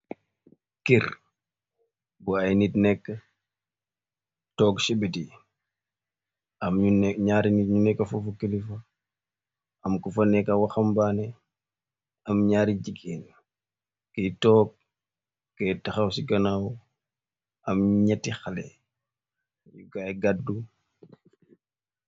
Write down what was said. Kerr bu ay nit nekk toog chibit yi am ñaari nit ñu nekk fufu kilifa. Am ku fa nekka waxambaane. Am ñaari jiggeen kiy toog ke taxaw ci ganaaw am ñatti xale yu kaay gaddu.